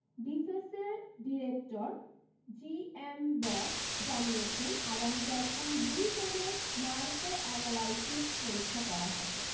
ডিফেসের director J M Vyas জানিয়েছেন আগামীকাল ওই দু জনের নারকো অ্যানালিসিস পরীক্ষা করা হবে